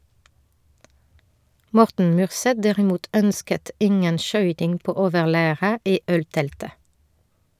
Morten Myrseth derimot, ønsket ingen skøyting på overlæret i ølteltet.